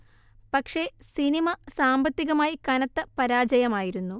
പക്ഷേ സിനിമ സാമ്പത്തികമായി കനത്ത പരാജയമായിരുന്നു